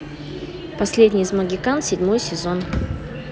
последний из могикан седьмой сезон